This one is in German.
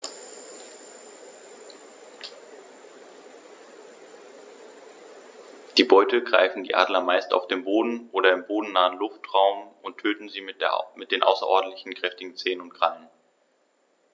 Die Beute greifen die Adler meist auf dem Boden oder im bodennahen Luftraum und töten sie mit den außerordentlich kräftigen Zehen und Krallen.